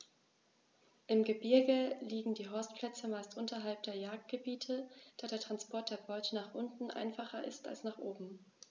Im Gebirge liegen die Horstplätze meist unterhalb der Jagdgebiete, da der Transport der Beute nach unten einfacher ist als nach oben.